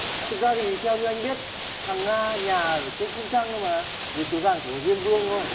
thực ra thì theo như anh biết hằng nga nhà ở trên cung trăng cơ mà dưới suối vàng chỉ có diêm vương thôi